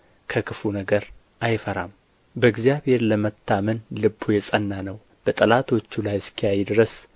ከክፉ ነገር አይፈራም በእግዚአብሔር ለመታመን ልቡ የጸና ነው በጠላቶቹ ላይ እስኪያይ ድረስ